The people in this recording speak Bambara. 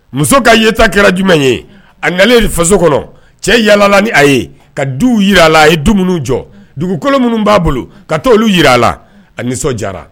Muso ka yeta kɛra jumɛn ye a nalen faso kɔnɔ cɛ yalala ni a ye ka duw yir'a la a ye du munnu jɔ dugukolo munnu b'a bolo ka t'olu yir'a la a nisɔndiyara